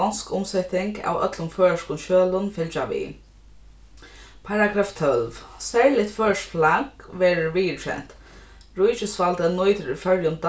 donsk umseting av øllum føroyskum skjølum fylgja við paragraf tólv serligt føroyskt flagg verður viðurkent ríkisvaldið nýtir í føroyum